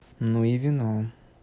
ну и вино